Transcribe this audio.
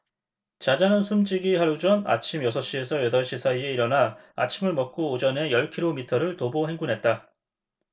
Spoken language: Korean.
자자는 숨지기 하루 전 아침 여섯 에서 여덟 시 사이에 일어나 아침을 먹고 오전에 열 키로미터를 도보 행군했다